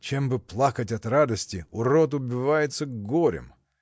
Чем бы плакать от радости, урод убивается горем!